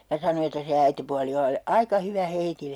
ja sanoi että se äitipuoli oli ollut aika hyvä heille